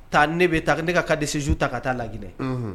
Taa ne bɛ taa ne ka disisu ta ka taa laginɛ